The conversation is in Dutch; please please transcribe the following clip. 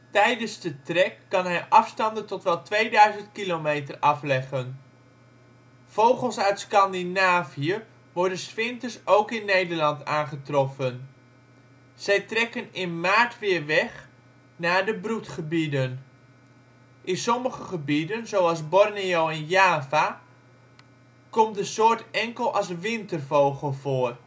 Tijdens de trek kan hij afstanden tot wel 2000 km afleggen. Vogels uit Scandinavië worden ' s winters ook in Nederland aangetroffen. Zij trekken in maart weer weg naar de broedgebieden. In sommige gebieden, zoals Borneo en Java, komt de soort enkel als wintervogel voor